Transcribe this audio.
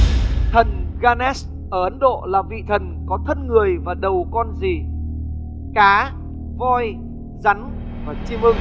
thần ga nét ở ấn độ là vị thần có thân người và đầu con gì cá voi rắn và chim ưng